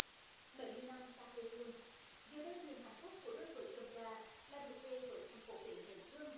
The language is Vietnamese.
mấy mươi năm xa quê hương giờ đây niềm hạnh phúc của đôi vợ chồng già là được về với thành phố huế mến thương